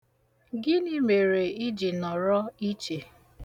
Gịnị mere ị ji nọrọ iche?